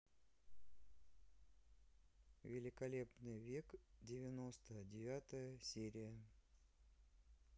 великолепный век девяносто девятая серия